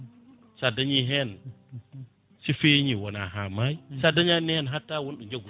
sa dañi hen so feeñi wona ha maayi sa dañani hen hatta wonɗo jagguɗa